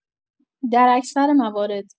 در اکثر موارد